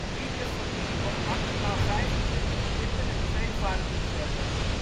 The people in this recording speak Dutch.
Iedere familie mocht maximaal 25 kippen en twee varkens hebben